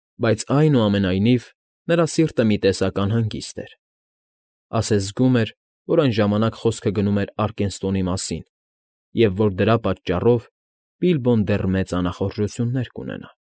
Բայց, այնուամենայնիվ, նրա սիրտը մի տեսակ անհանգիստ էր, ասես զգում էր, որ այն ժամանակ խոսքը գնում էր Արկենստոնի մասին, և որ դրա պատճառով Բիլբոն դեռ մեծ անախորժություններ կունենա։